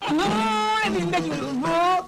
Sansonininɛgɛnin yo